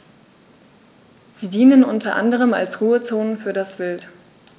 Sie dienen unter anderem als Ruhezonen für das Wild.